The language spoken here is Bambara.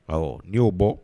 Ɔ n' y'o bɔ